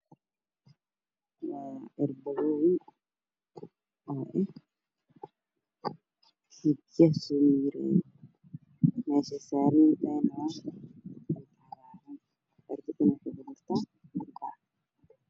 Waa ciilbadooyin ka waxayna saaran yihiin meel lacag ah dharbaa hoos yaalo lagu taliyo